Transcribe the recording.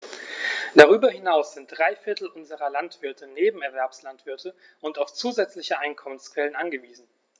Darüber hinaus sind drei Viertel unserer Landwirte Nebenerwerbslandwirte und auf zusätzliche Einkommensquellen angewiesen.